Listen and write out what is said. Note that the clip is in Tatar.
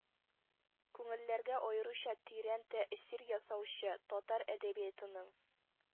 Күңелләргә аеруча тирән тәэсир ясаучы, татар әдәбиятының